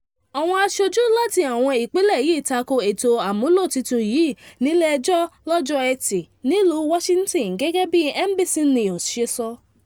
Àwọn aṣojú láti àwọn ìpínlẹ̀ yìí tako ètò àmúlò titun yìí nílé ẹjọ́ lọ́jọ́ Ẹtì nílùú Washington gẹ́gẹ́ bí NBC News ṣe sọ.